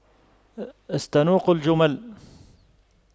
استنوق الجمل